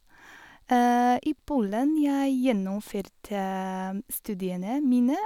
I Polen jeg gjennomførte studiene mine.